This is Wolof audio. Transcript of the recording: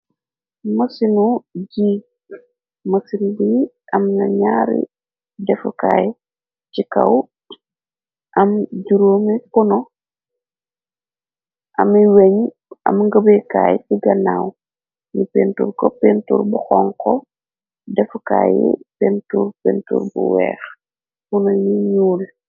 Mësinu jii mësin bi am na ñaari defukaay ci kaw am juróomi kuno ami weñ am ngëbekaay tigannaaw ni pentur ko pentur bu xon ko defukaay yi pentur pentur bu weex kuna yi ñuuli.